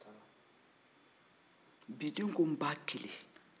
bidenw ko n ba kelen